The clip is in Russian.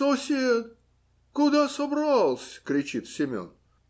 - Сосед, куда собрался? - кричит Семен.